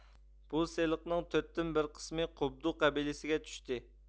بۇ سېلىقنىڭ تۆتتىن بىر قىسمى قوبدۇ قەبىلىسىگە چۈشتى